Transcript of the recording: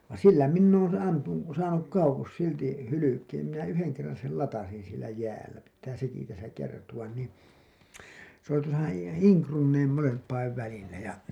vaan sillä minä olen - saanut kauas silti hylkeen minä yhden kerran sen latasin siellä jäällä pitää sekin tässä kertoa niin se oli tuossa Iin Krunnien molempien välillä ja